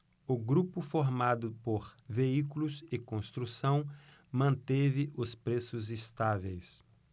o grupo formado por veículos e construção manteve os preços estáveis